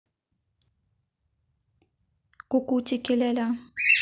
кукутики ляля